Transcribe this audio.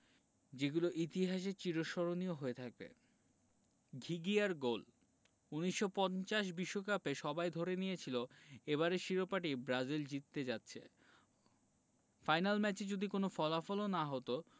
যেগুলো ইতিহাসে চিরস্মরণীয় হয়ে থাকবে ঘিঘিয়ার গোল ১৯৫০ বিশ্বকাপে সবাই ধরে নিয়েছিল এবারের শিরোপাটি ব্রাজিল জিততে যাচ্ছে ফাইনাল ম্যাচে যদি কোনো ফলাফলও না হতো